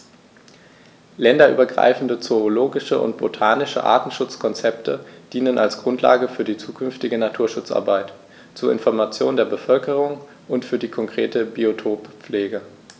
Länderübergreifende zoologische und botanische Artenschutzkonzepte dienen als Grundlage für die zukünftige Naturschutzarbeit, zur Information der Bevölkerung und für die konkrete Biotoppflege.